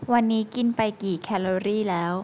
วันนี้กินไปกี่แคลอรี่แล้ว